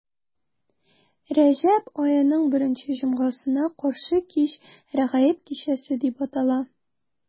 Рәҗәб аеның беренче җомгасына каршы кич Рәгаиб кичәсе дип атала.